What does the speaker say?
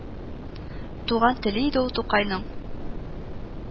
Туган теле иде ул Тукайның